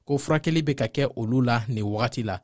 ko furakɛli bɛ ka kɛ olu la nin wagati la